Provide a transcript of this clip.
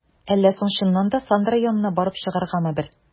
Әллә соң чыннан да, Сандра янына барып чыгаргамы бер?